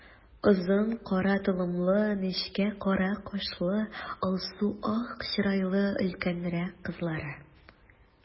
Озын кара толымлы, нечкә кара кашлы, алсу-ак чырайлы өлкәнрәк кызлары.